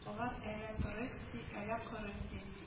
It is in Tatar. Алар әллә “торыйк” ди, әллә “корыйк” ди